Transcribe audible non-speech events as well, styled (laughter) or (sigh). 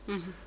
(hesitation) (hesitation)